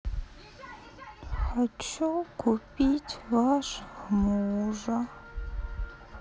хочу купить вашего мужа